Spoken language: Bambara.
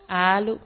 Aalo.